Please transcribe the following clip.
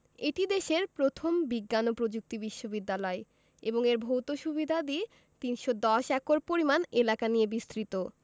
এটি দেশের প্রথম বিজ্ঞান ও প্রযুক্তি বিশ্ববিদ্যালয় এবং এর ভৌত সুবিধাদি ৩১০ একর পরিমাণ এলাকা নিয়ে বিস্তৃত